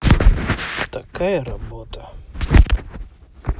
такая работа